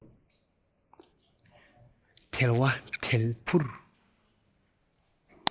དལ བ དལ བུར